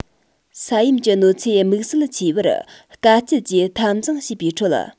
ས ཡོམ གྱི གནོད འཚེ དམིགས བསལ ཆེ བར དཀའ སྤྱད ཀྱིས འཐབ འཛིང བྱེད པའི ཁྲོད